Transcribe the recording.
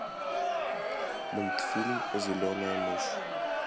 мультфильм зеленая мышь